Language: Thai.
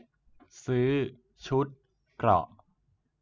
ซื้อชุดเกราะ